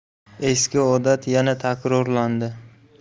eski odat yana takrorlandi